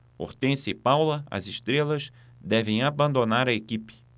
hortência e paula as estrelas devem abandonar a equipe